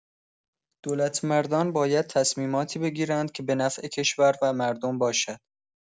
دولتمردان باید تصمیماتی بگیرند که به نفع کشور و مردم باشد.